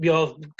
mi odd